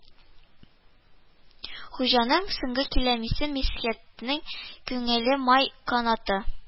Хуҗаның соңгы кәлимәсе Мисхәтнең күңелен май канаты